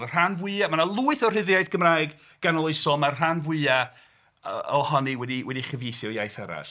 Mae'r rhan fwyaf… Mae 'na y lwyth o rhyddiaith Gymraeg ganoloesol, mae'r rhan fwyaf ohoni wedi... wedi ei chyfieithu o iaith arall.